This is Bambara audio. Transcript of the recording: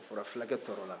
o fɔra fulakɛ tɔɔrɔ la